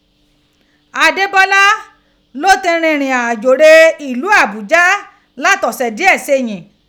Adébọ́lá lo ti rinrin ajo re ilu Abuja lati ọsẹ diẹ seyin.